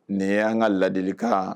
Ne y' an ka ladili kan